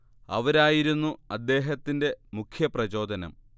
അവരായിരുന്നു അദ്ദേഹത്തിന്റെ മുഖ്യപ്രചോദനം